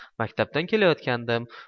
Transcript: maktabdan kelayotgandim